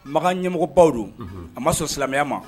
Makan ɲɛmɔgɔbaw don a ma sɔn silamɛya ma